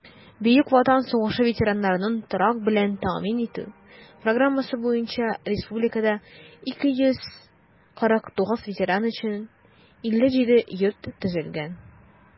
Бөек Ватан сугышы ветераннарын торак белән тәэмин итү программасы буенча республикада 249 ветеран өчен 57 йорт төзелгән.